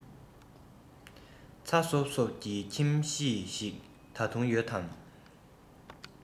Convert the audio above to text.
ཚ སོབ སོབ ཀྱི ཁྱིམ གཞིས ཤིག ད དུང ཡོད དམ